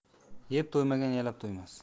yeb to'ymagan yalab to'ymas